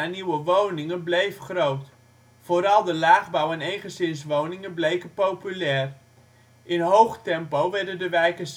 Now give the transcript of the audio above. nieuwe woningen bleef groot. Vooral de laagbouw en eengezinswoningen bleken populair. In hoog tempo werden de wijken